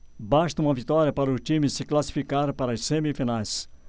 basta uma vitória para o time se classificar para as semifinais